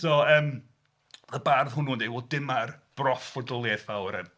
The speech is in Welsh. So yym mae'r bardd hwnnw'n dweud wel dyma'r broffwydoliaeth fawr yym...